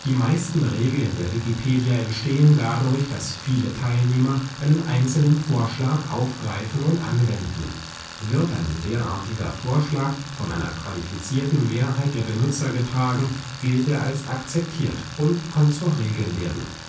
meisten Regeln der Wikipedia entstehen dadurch, dass viele Teilnehmer einen einzelnen Vorschlag aufgreifen und anwenden. Wird ein derartiger Vorschlag von einer qualifizierten Mehrheit der Benutzer getragen, gilt er als akzeptiert und kann zur Regel werden